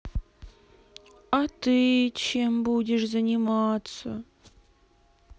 а ты чем будешь заниматься